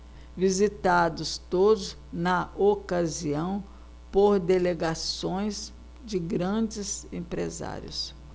visitados todos na ocasião por delegações de grandes empresários